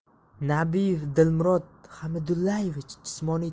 nabiyev dilmurod hamidullayevich jismoniy